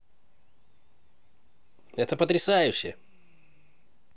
это потрясающе